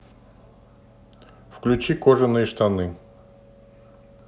включи кожаные штаны